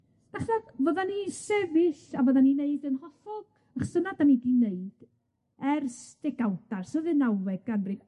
Dach ch'mod fyddan ni'n sefyll a fyddan ni'n neud yn hollol achos dyna 'dan ni 'di neud ers degawda, ers y ddeunawfed ganrif.